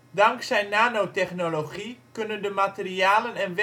Dankzij nanotechnologie kunnen de materialen en